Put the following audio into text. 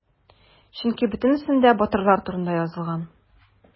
Чөнки бөтенесендә батырлар турында язылган.